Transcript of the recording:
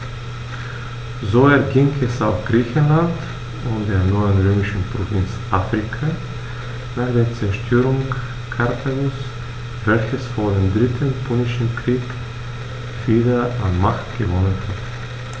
So erging es auch Griechenland und der neuen römischen Provinz Afrika nach der Zerstörung Karthagos, welches vor dem Dritten Punischen Krieg wieder an Macht gewonnen hatte.